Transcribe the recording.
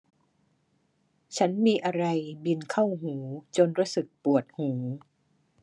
ฉันมีอะไรบินเข้าหูจนรู้สึกปวดหู